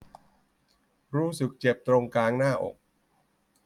รู้สึกเจ็บตรงกลางหน้าอก